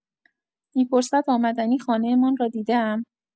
می‌پرسد آمدنی خانه‌مان را دیده‌ام؟